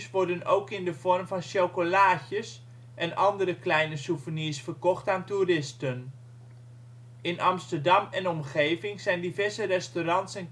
worden ook in de vorm van chocolaatjes en andere kleine souvenirs verkocht aan toeristen. In Amsterdam en omgeving zijn diverse restaurants